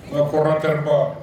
N ko tɛ